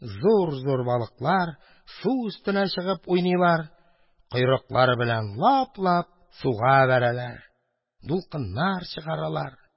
Зур-зур балыклар су өстенә чыгып уйныйлар, койрыклары белән лап-лап суга бәрәләр, дулкыннар чыгаралар.